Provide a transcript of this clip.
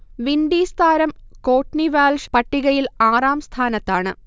Windies താരം Courtney Walsh പട്ടികയിൽ ആറാം സ്ഥാനത്താണ്